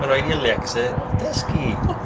Ma' raid i Alexa ddysgu!